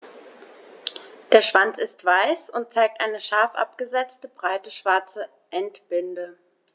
Der Schwanz ist weiß und zeigt eine scharf abgesetzte, breite schwarze Endbinde.